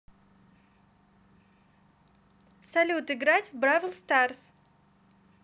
салют играть в brawl stars